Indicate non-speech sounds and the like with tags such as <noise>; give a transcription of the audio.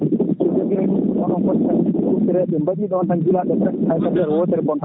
* <noise> so coxeur eɓe ɓe mbaɗi noon tan guila eɓe * hay soblere wotere bonata